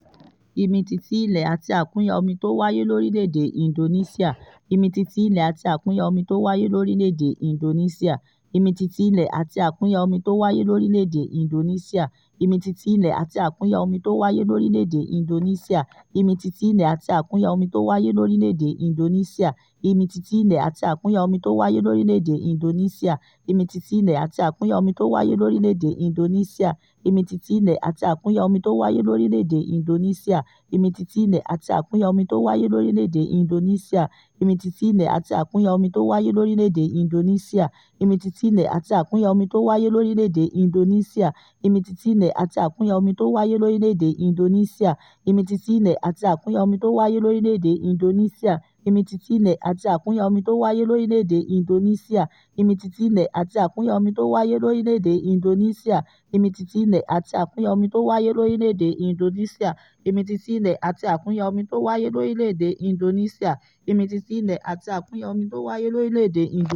Ìmìtìtì ilẹ̀ àti àkúnya omi tó wáyé lórílẹ̀-èdè Indonesia